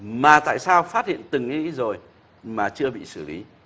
mà tại sao phát hiện từng nghĩ rồi mà chưa bị xử lý